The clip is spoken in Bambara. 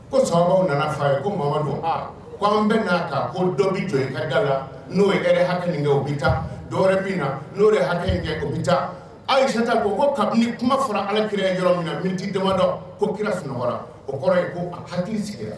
Ko sabaw nana fa a ye komadu an bɛn'a kan ko dɔ bɛ jɔ ka ga la n'o ye ha kɛ o bɛ taa dɔw min na n'o ye ha kɛ o bɛ taa ayiseta ko ni kuma fɔra ala kira yɔrɔ min na min tɛ damadɔ ko kira f o kɔrɔ yen ko hakili sigira